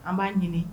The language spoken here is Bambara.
An b'a ɲini